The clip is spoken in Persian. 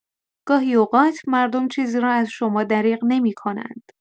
گاهی اوقات مردم چیزی را از شما دریغ نمی‌کنند.